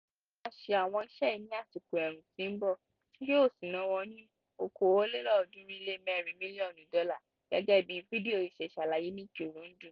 Wọ́n máa ṣe àwọn iṣẹ́ yìí ní àsìkò ẹ̀ẹ̀rùn tí ó ń bọ̀ tí yóò sì ná wọn ní USD 324 mílíọ̀nù, gẹ́gẹ́ bí fídíò yìí ṣe ṣàlàyé ní Kirundi.